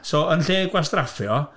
So, yn lle gwastraffu o...